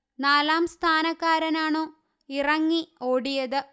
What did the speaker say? നാലാം സ്ഥാനക്കാരനാണു ഇറങ്ങി ഓടിയത്